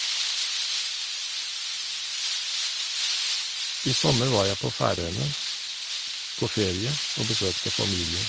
I sommer var jeg på Færøyene på ferie og besøkte familie.